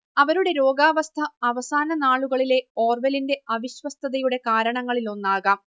അവരുടെ രോഗാവസ്ഥ അവസാന നാളുകളിലെ ഓർവെലിന്റെ അവിശ്വസ്തതയുടെ കാരണങ്ങളിലൊന്നാകാം